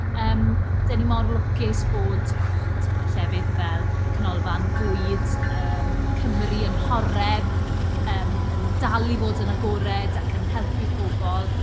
Yym dan ni mor lwcus bod, och, timod llefydd fel Canolfan Fwyd, yym, Cymru yn Horeb yym yn dal i fod yn agored ac yn helpu pobl.